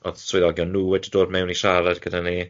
o'dd swyddogion nhw wedi dod mewn i siarad gyda ni.